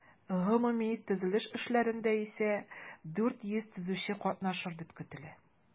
Гомуми төзелеш эшләрендә исә 400 төзүче катнашыр дип көтелә.